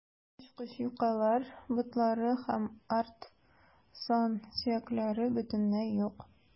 Коточкыч юкалар, ботлары һәм арт сан сөякләре бөтенләй юк.